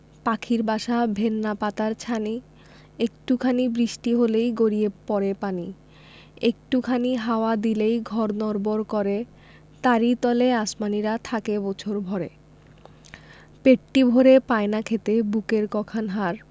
পাখির বাসা ভেন্না পাতার ছানি একটু খানি বৃষ্টি হলেই গড়িয়ে পড়ে পানি একটু খানি হাওয়া দিলেই ঘর নড়বড় করে তারি তলে আসমানীরা থাকে বছর ভরে পেটটি ভরে পায় না খেতে বুকের ক খান হাড়